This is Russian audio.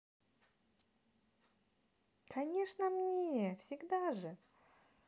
конечно мне всегда же